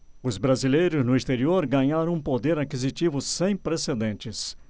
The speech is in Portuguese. os brasileiros no exterior ganharam um poder aquisitivo sem precedentes